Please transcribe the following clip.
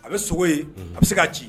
A bɛ sogo ye a bɛ se k'a ci